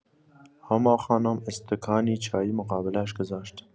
هما خانم استکانی چای مقابلش گذاشت.